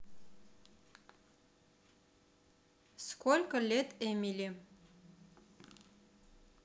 сколько лет эмили